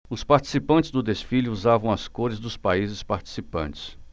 os participantes do desfile usavam as cores dos países participantes